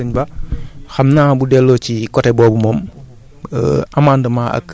waaw merci beaucoup sëñ Ba xam naa bu delloo ci coté boobu moom